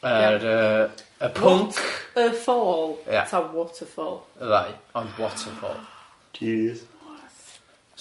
yr yy y pwnc... What a fall ta waterfall? Y ddau ond what a fall... Jeez... what?